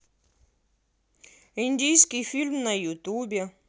индийский фильм на ютубе